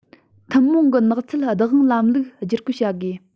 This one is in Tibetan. ཐུན མོང གི ནགས ཚལ བདག དབང ལམ ལུགས བསྒྱུར བཅོས བྱ དགོས